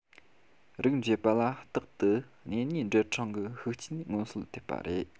རིགས འབྱེད པ ལ རྟག ཏུ གཉེན ཉེའི འབྲེལ ཕྲེང གི ཤུགས རྐྱེན མངོན གསལ ཐེབས པ རེད